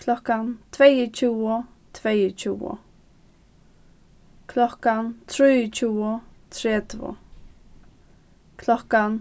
klokkan tveyogtjúgu tveyogtjúgu klokkan trýogtjúgu tretivu klokkan